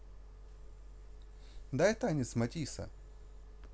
дай танец матиса